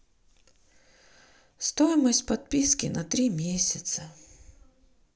стоимость подписки на три месяца